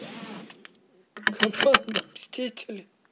команда мстителей